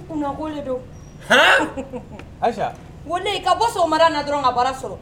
Kun na ko de lo, haan, Ayisa, ka bɔ sɔgmada in na dɔrɔnw ka baara sɔrɔ